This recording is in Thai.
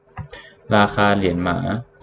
ราคาเหรียญหมา